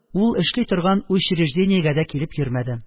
Ул эшли торган учреждениегә дә килеп йөрмәде